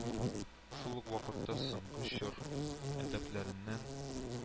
Шул ук вакытта соңгы чор әдипләреннән